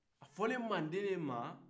o fɔra manden de ma